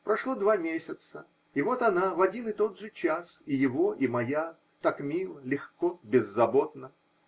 Прошло два месяца, и вот она в один и тот же час и его и моя, так мило, легко, беззаботно.